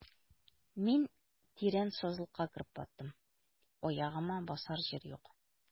Мин тирән сазлыкка кереп баттым, аягыма басар җир юк.